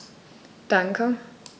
Danke.